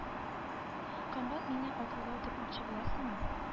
Комбат мине акылга утыртмакчы буласыңмы